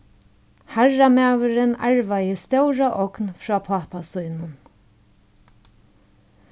harramaðurin arvaði stóra ogn frá pápa sínum